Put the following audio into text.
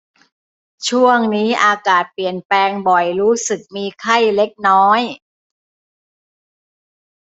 ช่วงนี้อากาศเปลี่ยนแปลงบ่อยรู้สึกมีไข้เล็กน้อย